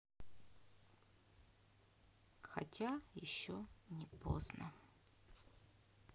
хотя еще не поздно